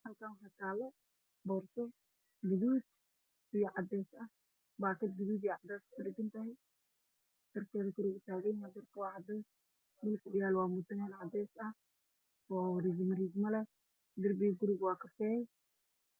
Halkaan waxaa taalo boorso gaduud iyo cadeys ah, baakad cadeys kudhagan tahay, darbiga cadeys dhulkana waa mutuleel cadeys ah oo riigriigmo leh, darbiga guriga waa kafay.